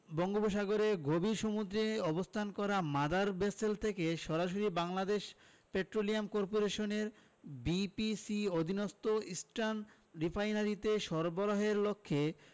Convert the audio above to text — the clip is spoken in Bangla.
বঙ্গোপসাগরের গভীর সমুদ্রে অবস্থান করা মাদার ভেসেল থেকে সরাসরি বাংলাদেশ পেট্রোলিয়াম করপোরেশনের বিপিসি অধীনস্থ ইস্টার্ন রিফাইনারিতে সরবরাহের লক্ষ্যে